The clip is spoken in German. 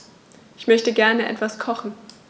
Ich möchte gerne etwas kochen.